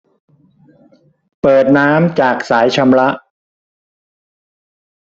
เปิดน้ำจากสายชำระ